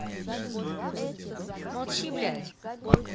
молчи блядь